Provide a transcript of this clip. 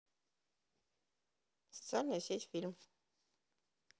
социальная сеть фильм